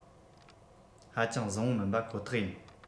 ཧ ཅང བཟང བོ མིན པ ཁོ ཐག ཡིན